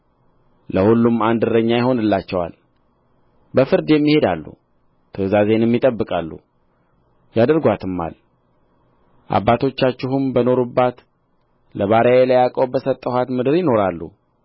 ለሁሉም አንድ እረኛ ይሆንላቸዋል በፍርዴም ይሄዳሉ ትእዛዜንም ይጠብቃሉ ያደርጓትማል አባቶቻችሁም በኖሩበት ለባሪያዬ ለያዕቆብ በሰጠኋት ምድር ይኖራሉ